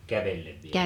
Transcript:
kävellen vielä